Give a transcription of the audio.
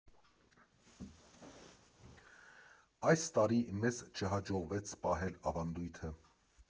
Այս տարի մեզ չհաջողվեց պահել ավանդույթը։